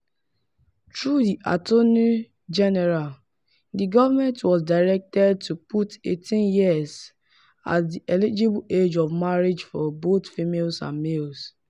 Through the attorney general, the government was directed to put 18 years as the eligible age of marriage for both females and males.